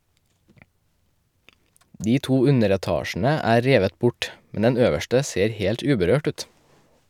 De to underetasjene er revet bort, men den øverste ser helt uberørt ut.